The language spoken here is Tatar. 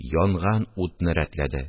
Янган утны рәтләде